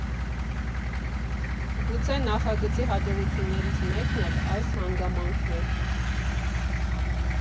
Գուցե նախագծի հաջողություններից մեկն էլ այս հանգամանքն է։